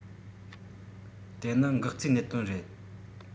དེ ནི འགག རྩའི གནད དོན རེད